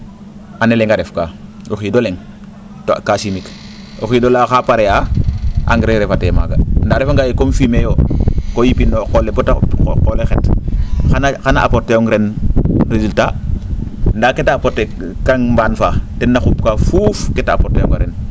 année le? a ref kaa o xiid o le? to kaa chimique o xiid ola xaa pare'aa engrais refa te maaga ndaa a refangaa comme fumier yoo o yipin no o qol le boo o qole xet xana apporter ong ren resultat ndaa ke te apporter kang mbaan faa ten na xup kaa fuuf ke te apporter kang ren faa